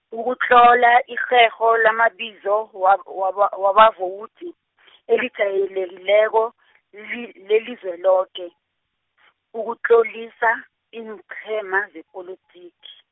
ukutlola irherho lamabizo wa- waba wabavowudi , elijayelekileko, li- leliZweloke, ukutlolisa, iinqhema zepolotiki.